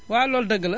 waaw loolu dëgg la